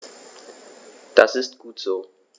Das ist gut so.